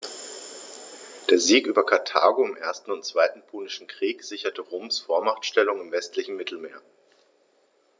Der Sieg über Karthago im 1. und 2. Punischen Krieg sicherte Roms Vormachtstellung im westlichen Mittelmeer.